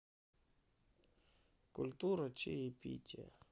культура чаепития